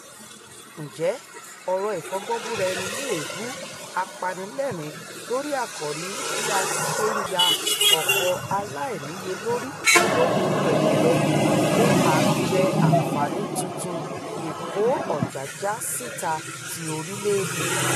Ǹjẹ́ ọ̀rọ̀ ìfọgbọ́nbúraẹni léèébu apanilẹ́ẹ̀rín lórí àkòrí bí a tiṣe ya ọ̀pọ̀ aláìníyelórí tó pẹ̀lu pé a ńjẹ ànfààní tuntun ìkó-ọjàjádesíta ti orilẹ̵-ede?